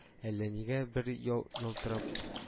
Әллә нигә бер ел ялтырап